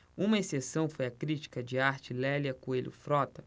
uma exceção foi a crítica de arte lélia coelho frota